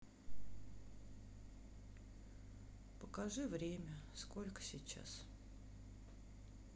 покажи время сколько сейчас